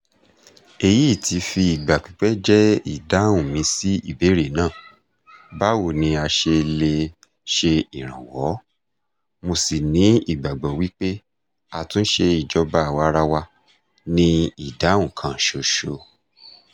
Èyí ti fi ìgbà pípẹ́ jẹ́ ìdáhùn mi sí ìbéèrè náà "báwo ni a ṣe lè ṣe ìrànwọ́?" Mo ṣì ní ìgbàgbọ́ wípé [àtúnṣe ìjọba àwa-arawa] ni ìdáhùn kan ṣoṣo.